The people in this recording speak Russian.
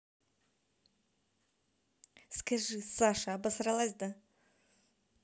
скажи саша обосрался да